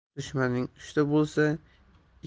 dushmaning uchta bo'lsa